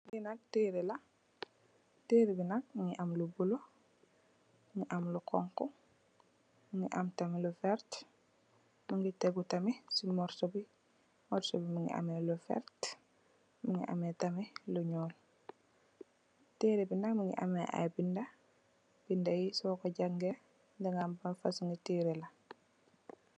Lii nak terre la, terre bi nak mungi am lu bulo, mungi am lu xonxu, mungi am tamit lu vert. Mungi tegu tamit ci morso bi, morso bi mungi ame lu vert, mungi ame tamit lu ñuol. Terre bi nak mungi ame ay binda, bindayi soko jange, daga xam ban fosongi terre la.